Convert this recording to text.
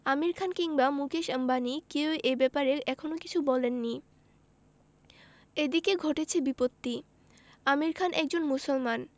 আমির খান কিংবা মুকেশ আম্বানি কেউই এ ব্যাপারে এখনো কিছু বলেননি এদিকে ঘটেছে বিপত্তি আমির খান একজন মুসলমান